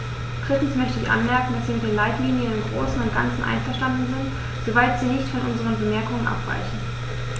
Drittens möchte ich anmerken, dass wir mit den Leitlinien im großen und ganzen einverstanden sind, soweit sie nicht von unseren Bemerkungen abweichen.